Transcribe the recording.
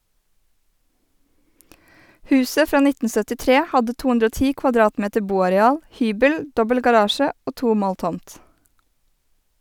Huset fra 1973 hadde 210 kvadratmeter boareal, hybel, dobbel garasje og to mål tomt.